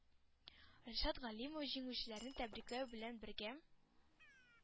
Ришат Галимов җиңүчеләрне тәбрикләү белән бергә,